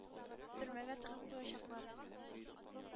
Төрмәгә тыгып куячаклар.